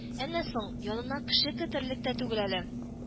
Әнә соң, янына кеше кертерлек тә түгел әле